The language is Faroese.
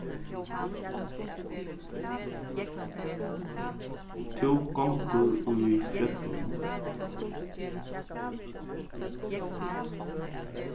tú gongur í fjøllunum